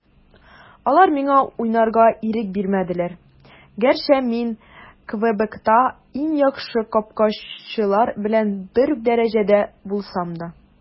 Алар миңа уйнарга ирек бирмәделәр, гәрчә мин Квебекта иң яхшы капкачылар белән бер үк дәрәҗәдә булсам да.